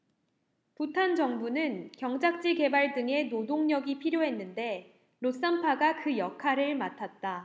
부탄 정부는 경작지 개발 등에 노동력이 필요했는데 롯삼파가 그 역할을 맡았다